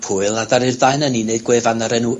... a ddaru'r ddau 'non ni neud gwefan o'r enw...